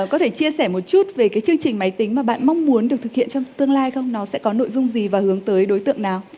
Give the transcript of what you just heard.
có thể chia sẻ một chút về cái chương trình máy tính mà bạn mong muốn được thực hiện trong tương lai không nó sẽ có nội dung gì và hướng tới đối tượng nào